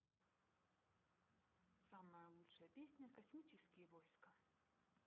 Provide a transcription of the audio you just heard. самая лучшая песня космические войска